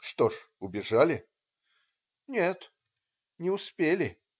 "Что же, убежали?" - "Нет, не успели.